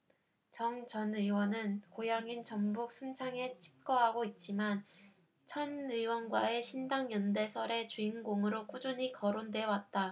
정 전 의원은 고향인 전북 순창에 칩거하고 있지만 천 의원과의 신당 연대설의 주인공으로 꾸준히 거론돼왔다